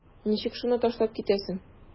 Ничек шуны ташлап китәсең?